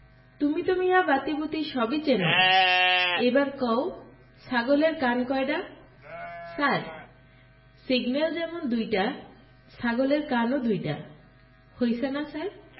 তুমি তো মিয়া বাতিবুতি সবই চেনো এইবার কও ছাগলের কান কয়ডা ছার সিগনেল যেমুন দুইডা ছাগলের কানও দুইডা হইছে না ছার